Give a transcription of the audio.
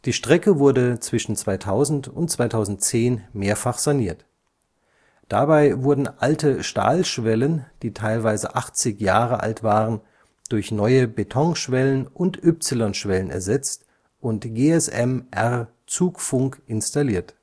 Strecke wurde zwischen 2000 und 2010 mehrfach saniert. Dabei wurden alte Stahlschwellen, die teilweise 80 Jahre alt waren, durch neue Betonschwellen und Y-Schwellen ersetzt und GSM-R Zugfunk installiert